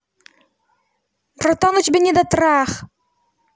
братан у тебя недотрах